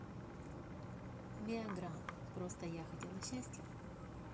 виа гра просто я хотела счастья